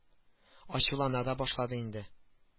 Ачулана да башлады инде